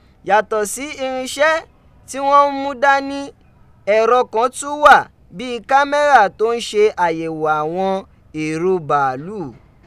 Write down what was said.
Yatọ si irinṣẹ ti wọn n mu dani, ẹrọ kan tun wa bi kamẹra to n ṣe ayẹwo awọn eero baalu.